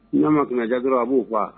Na ma kunnaja dɔrɔn a bo faga.